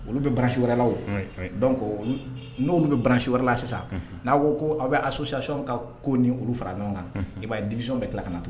Olu bɛ barasi wɛrɛlaw dɔn ko n'olu bɛ barasi wɛrɛla sisan n'a ko ko aw bɛ asosiyɔn ka ko ni olu fara ɲɔgɔn kan i b'a disisɔn bɛɛ tila kana na to